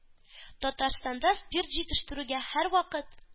Татарстанда спирт җитештерүгә һәрвакыт